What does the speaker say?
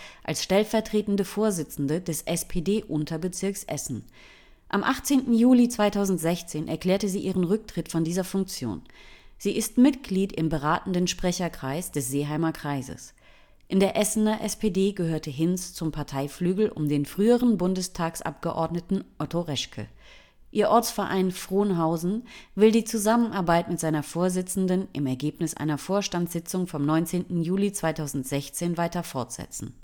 Vorsitzende des SPD-Unterbezirks Essen. Am 18. Juli 2016 erklärte sie ihren Rücktritt von dieser Funktion. Sie ist Mitglied im beratenden Sprecherkreis des Seeheimer Kreises. In der Essener SPD gehörte Hinz zum Parteiflügel um den früheren Bundestagsabgeordneten Otto Reschke. Ihr Ortsverein Frohnhausen will die Zusammenarbeit mit seiner Vorsitzenden im Ergebnis einer Vorstandssitzung vom 19. Juli 2016 weiter fortsetzen